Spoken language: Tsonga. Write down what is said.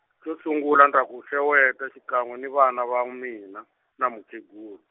xo sungula ndza ku xeweta xikan'we ni vana va mina, na mukhegulu.